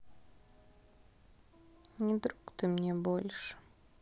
не друг ты мне больше